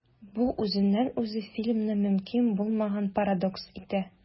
Бу үзеннән-үзе фильмны мөмкин булмаган парадокс итә.